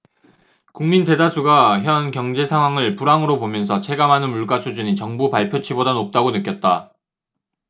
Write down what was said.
국민 대다수가 현 경제상황을 불황으로 보면서 체감하는 물가 수준이 정부 발표치보다 높다고 느꼈다